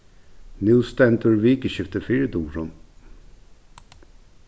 nú stendur vikuskiftið fyri durum